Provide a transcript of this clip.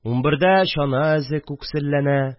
Унбердә чана эзе күкселләнә